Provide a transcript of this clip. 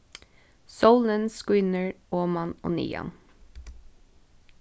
sólin skínur oman og niðan